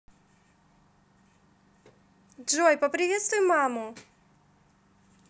джой поприветствуй маму